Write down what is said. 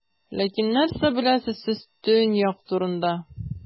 Ләкин нәрсә беләсез сез Төньяк турында?